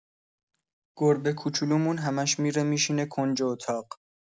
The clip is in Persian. گربه کوچولومون همش می‌ره می‌شینه کنج اتاق.